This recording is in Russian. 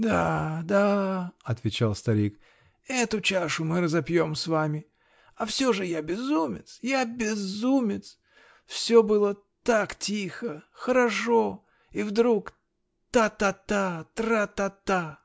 -- Да, да, -- отвечал старик, -- эту чашу мы разопьем с вами, -- а все же я безумец! Я -- безумец! Все было так тихо, хорошо. и вдруг: та-та-та, тра-та-та!